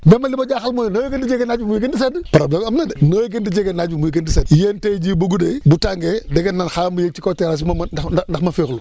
mais man li ma jaaxal mooy noo gën di jege naaj bi muy gën di sedd problème am na de nooy gën di jege naaj bi muy gën di sedd yéen tey jii bu guddeebu tàngee da ngeen naan xaaral ma yéeg ci kaw terasse bi ma mën ndax ma fééxlu